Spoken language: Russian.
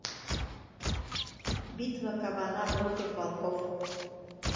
битва кабана против волков